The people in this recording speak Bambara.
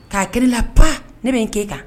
K'a ki la pan ne bɛ n k kɛe kan